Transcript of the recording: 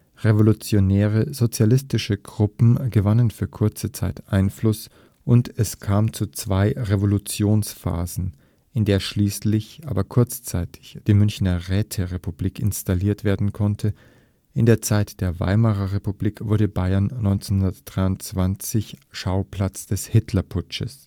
revolutionäre sozialistische Gruppen gewannen für kurze Zeit Einfluss und es kam zu zwei Revolutionsphasen, in der schließlich, aber kurzzeitig, die Münchner Räterepublik installiert werden konnte. In der Zeit der Weimarer Republik wurde Bayern 1923 Schauplatz des Hitlerputsches